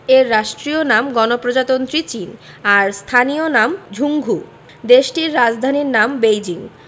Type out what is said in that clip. এর রাষ্ট্রীয় নাম গণপ্রজাতন্ত্রী চীন আর স্থানীয় নাম ঝুংঘু দেশটির রাজধানীর নাম বেইজিং